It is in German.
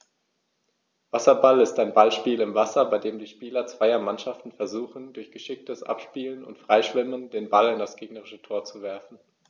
Wasserball ist ein Ballspiel im Wasser, bei dem die Spieler zweier Mannschaften versuchen, durch geschicktes Abspielen und Freischwimmen den Ball in das gegnerische Tor zu werfen.